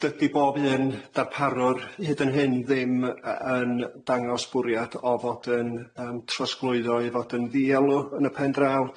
dydi bob un darparwr hyd yn hyn ddim yy yn dangos bwriad o fod yn yym trosglwyddo i fod yn ddielw yn y pen draw.